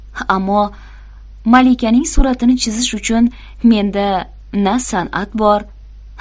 ammo malikaning suratini chizish uchun menda na san'at bor